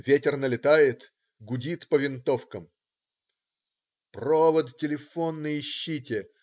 Ветер налетает, гудит по винтовкам. "Провод телефонный ищите!